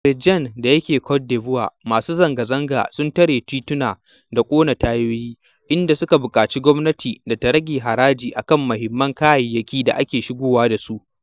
A Abidjan da yake Cote d'ivore, masu zangazanga sun tare tituna da ƙona tayoyi, inda suka buƙaci gwamnati da ta rage haraji a kan muhimman kayayyakin da ake shigowa da su.